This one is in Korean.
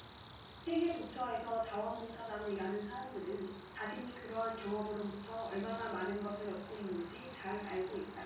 세계 도처에서 자원 봉사자로 일하는 사람들은 자신이 그러한 경험으로부터 얼마나 많은 것을 얻고 있는지 잘 알고 있다